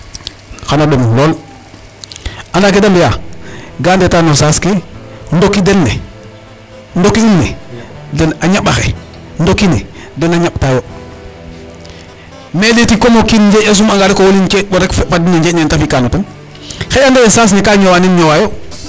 Anda ke da mbi'aa, gaa ndetaa no saas ke ndoki den ne ndokiwum ne xa ñaƥ axe ndoki ne den a ñaɓtaayo. Mais ɗeeti o kiin njeeƈ ne sumanga rek o wolin cer ɓor rek fe fa den njeeƈ nem a fi'ka no ten xaƴa andiro yee saas ne ka ñoawaa nen ñopwaayo.